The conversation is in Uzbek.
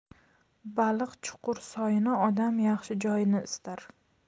baliq chuqur soyni odam yaxshi joyni istar